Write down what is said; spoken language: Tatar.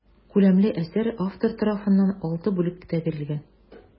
Күләмле әсәр автор тарафыннан алты бүлектә бирелгән.